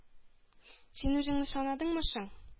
— син үзеңне санадыңмы соң?